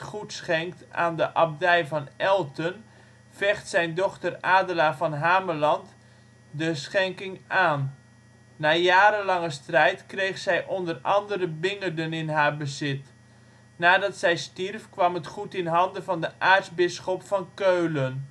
schenkt aan de abdij van Elten, vecht zijn dochter Adela van Hamaland de schenking aan. Na jarenlange strijd kreeg zij onder andere Bingerden in haar bezit. Nadat zij stierf kwam het goed in handen van de aartsbisschop van Keulen